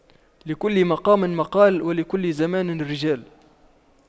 لكل مقام مقال ولكل زمان رجال